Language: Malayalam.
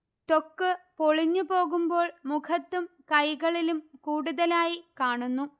ത്വക്ക് പൊളിഞ്ഞു പോകുമ്പോൾ മുഖത്തും കൈകളിലും കൂടുതലായി കാണുന്നു